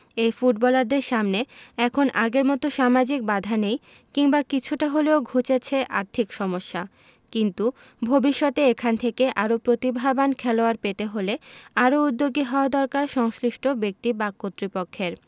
এই ফুটবলারদের সামনে এখন আগের মতো সামাজিক বাধা নেই কিংবা কিছুটা হলেও ঘুচেছে আর্থিক সমস্যা কিন্তু ভবিষ্যতে এখান থেকে আরও প্রতিভাবান খেলোয়াড় পেতে হলে আরও উদ্যোগী হওয়া দরকার সংশ্লিষ্ট ব্যক্তি বা কর্তৃপক্ষের